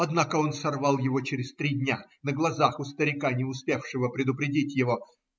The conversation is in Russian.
Однако он сорвал его через три дня, на глазах у старика, не успевшего предупредить его.